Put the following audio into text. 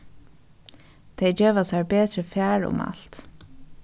tey geva sær betri far um alt